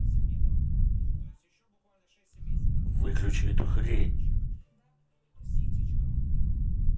выключи эту хрень